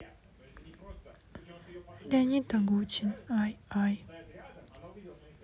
леонид агутин ай ай